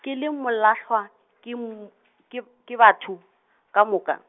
ke le molahlwa ke m- , ke b-, ke batho ka moka.